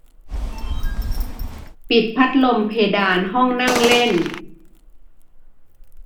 ปิดพัดลมเพดานห้องนั่งเล่น